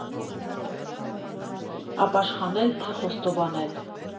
Ապաշխարե՞լ, թե՞ խոստովանել։